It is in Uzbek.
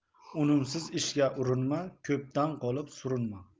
unumsiz ishga urinma ko'pdan qolib surinma